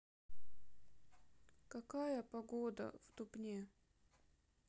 какая погода в дубне